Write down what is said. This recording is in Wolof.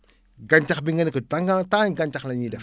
gàncax bi nga ne ko tant gàncax la ñuy def